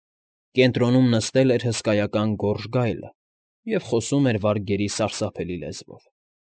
Կենտրոնում նստել էր հսկայական գորշ գայլը և խոսում էր վարգերի սարսափելի լեզվով։